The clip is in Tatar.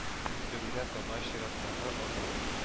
Үстерүгә таба чираттагы адым